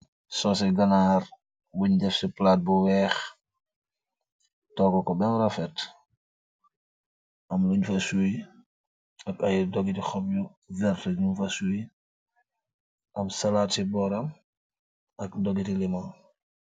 Sauce cii ganarr bungh deff cii platt bu wekh, tohgu kor bem rafet, am lungh fa suwii, ak aiiy dohgiti hohbb yu vert yungh fa suwii, am salad cii bohram ak dogiti lemon.